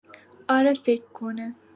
اره فک کنم